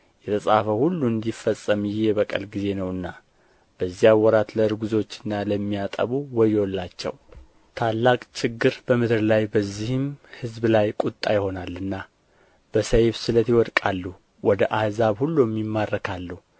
የተጻፈው ሁሉ እንዲፈጸም ይህ የበቀል ጊዜ ነውና በዚያን ወራት ለእርጕዞችና ለሚያጠቡ ወዮላቸው ታላቅ ችግር በምድር ላይ በዚህም ሕዝብ ላይ ቍጣ ይሆናልና በሰይፍ ስለትም ይወድቃሉ ወደ አሕዛብ ሁሉም ይማረካሉ